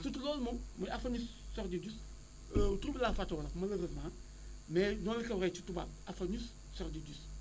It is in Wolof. surtout loolu moom muy aphanus sordidus tur bi laa fàtte wolof malheureusement mais noonu la ñu koy waxee ci tubaab aphanus sordidus